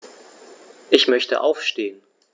Ich möchte aufstehen.